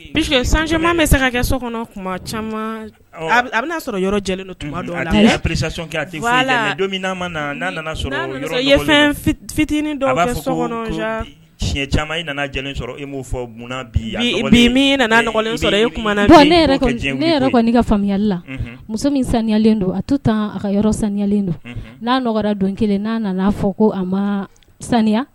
Bi san caman bɛ so kɔnɔ tuma caman a sɔrɔ yɔrɔ don fitinin tiɲɛ caman i nana sɔrɔ e'o fɔ munna ne ka faamuyayali la muso min saniyalen don a to taa a ka yɔrɔ saniyalen don n'a don kelen n'a nanaa fɔ ko a ma saniya